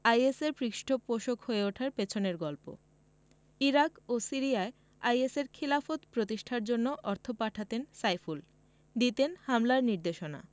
আইএসের পৃষ্ঠপোষক হয়ে ওঠার পেছনের গল্প ইরাক ও সিরিয়ায় আইএসের খিলাফত প্রতিষ্ঠার জন্য অর্থ পাঠাতেন সাইফুল দিতেন হামলার নির্দেশনা